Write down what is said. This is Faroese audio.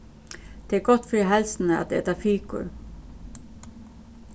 tað er gott fyri heilsuna at eta fikur